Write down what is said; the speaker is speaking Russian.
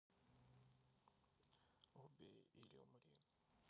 убей или умри